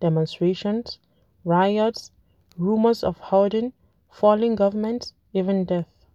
demonstrations, riots, rumors of hoarding, falling governments, even deaths.